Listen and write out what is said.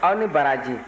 aw ni baraji